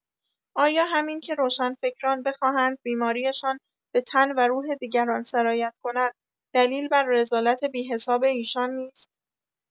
آیا همین که روشنفکران بخواهند بیماری‌شان به تن و روح دیگران سرایت کند، دلیل بر رذالت بی‌حساب ایشان نیست؟